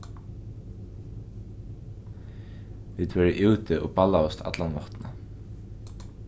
vit vóru úti og ballaðust alla náttina